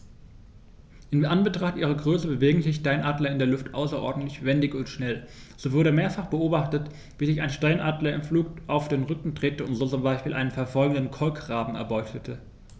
In Anbetracht ihrer Größe bewegen sich Steinadler in der Luft außerordentlich wendig und schnell, so wurde mehrfach beobachtet, wie sich ein Steinadler im Flug auf den Rücken drehte und so zum Beispiel einen verfolgenden Kolkraben erbeutete.